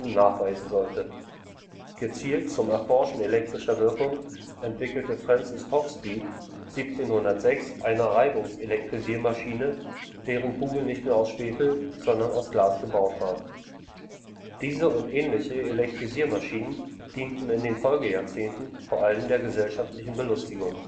nachweisen sollte. Gezielt zum Erforschen elektrischer Wirkungen entwickelte Francis Hauksbee 1706 eine Reibungselektrisiermaschine, deren Kugel nicht mehr aus Schwefel, sondern aus Glas gebaut war. Diese und ähnliche Elektrisiermaschinen dienten in den Folgejahrzehnten vor allem der gesellschaftlichen Belustigung